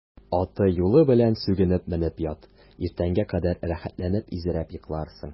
Аты-юлы белән сүгенеп менеп ят, иртәнгә кадәр рәхәтләнеп изрәп йокларсың.